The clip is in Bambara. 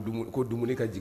Ko dumuni ka jigin